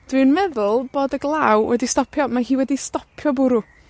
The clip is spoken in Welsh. Dwi 'n meddwl bod y glaw wedi stopio. Mae hi wedi stopio bwrw.